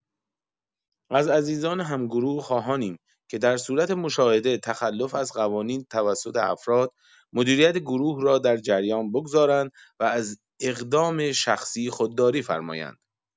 از عزیزان همگروه خواهانیم که در صورت مشاهده تخلف از قوانین توسط افراد، مدیریت گروه را در جریان بگذارند و از اقدام شخصی خودداری فرمایند.